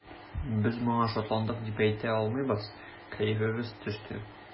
Без моңа шатландык дип әйтә алмыйбыз, кәефебез төште.